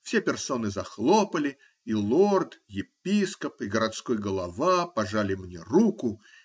Все персоны захлопали, и лорд, епископ и городской голова пожали мне руку.